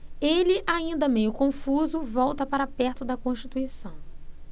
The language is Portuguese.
ele ainda meio confuso volta para perto de constituição